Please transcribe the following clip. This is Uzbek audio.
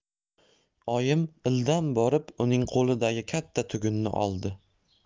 oyim ildam borib uning qo'lidagi katta tugunni oldi